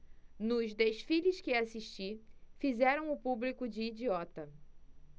nos desfiles que assisti fizeram o público de idiota